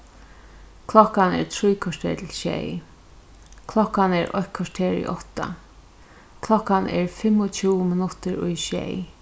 klokkan er trý korter til sjey klokkan er eitt korter í átta klokkan er fimmogtjúgu minuttir í sjey